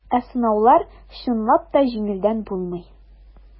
Ә сынаулар, чынлап та, җиңелдән булмый.